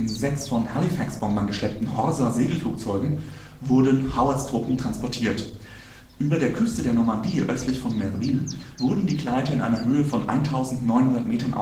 sechs von Halifax-Bombern geschleppten Horsa-Segelflugzeugen wurden Howards Truppen transportiert. Über der Küste der Normandie, östlich von Merville, wurden die Gleiter in einer Höhe von 1.900 Metern ausgeklinkt